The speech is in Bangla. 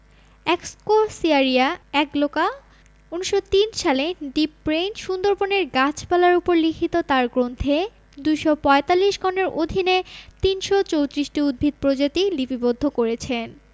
এক্সকোসিয়ারিয়া অ্যাগলোকা ১৯০৩ সালে ডি. প্রেইন সুন্দরবনের গাছপালার উপর লিখিত তাঁর গ্রন্থে ২৪৫ গণের অধীনে ৩৩৪টি উদ্ভিদ প্রজাতি লিপিবদ্ধ করেছেন